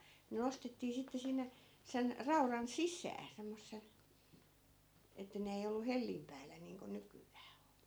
ne nostettiin sitten sinne sen raudan sisään semmoisella että ne ei ollut hellin päällä niin kuin nykyään on